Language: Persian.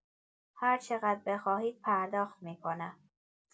هرچقدر بخواهید پرداخت می‌کنم.